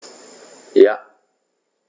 Ja.